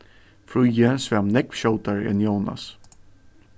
fríði svam nógv skjótari enn jónas